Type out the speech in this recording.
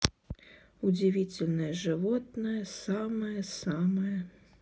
удивительное животное самое самое